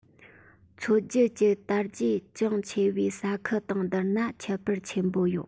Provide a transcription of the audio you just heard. མཚོ རྒྱུད ཀྱི དར རྒྱས ཅུང ཆེ བའི ས ཁུལ དང བསྡུར ན ཁྱད པར ཆེན པོ ཡོད